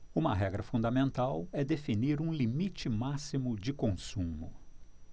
uma regra fundamental é definir um limite máximo de consumo